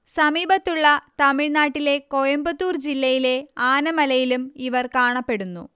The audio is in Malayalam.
സമീപത്തുള്ള തമിഴ്നാട്ടിലെ കോയമ്പത്തൂർ ജില്ലയിലെ ആനമലയിലും ഇവർ കാണപ്പെടുന്നു